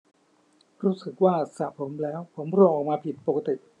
รู้สึกว่าสระผมแล้วผมร่วงออกมาผิดปกติ